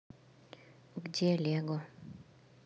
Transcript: где lego